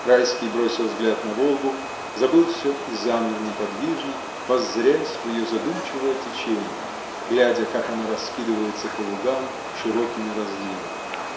Райский бросил взгляд на Волгу, забыл всё и замер неподвижно, воззрясь в ее задумчивое течение, глядя, как она раскидывается по лугам широкими разливами.